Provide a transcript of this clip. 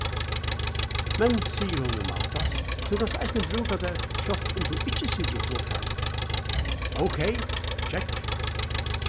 men sigur hon í matas tú kanst eisini brúka tær sjálvt um tú ikki situr í flogfari ókey kekk